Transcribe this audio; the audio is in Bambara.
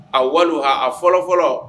A wali a fɔlɔ fɔlɔ